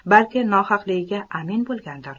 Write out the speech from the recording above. balki nohaqligiga amin bo'lgandir